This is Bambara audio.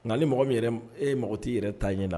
Nka ni mɔgɔ e mɔgɔ tɛi yɛrɛ ta ɲɛna na